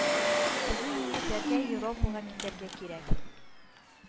Безнең егетләргә Европага китәргә кирәк.